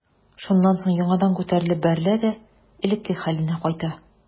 Шуннан соң яңадан күтәрелеп бәрелә дә элеккеге хәленә кайта.